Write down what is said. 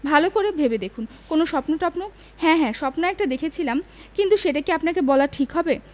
ভালো করে ভেবে দেখুন কোনো স্বপ্ন টপ্ন হ্যাঁ হ্যাঁ স্বপ্ন একটা দেখেছিলাম কিন্তু সেটা কি আপনাকে বলা ঠিক হবে